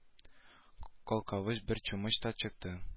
Калкавыч бер чумып та чыкты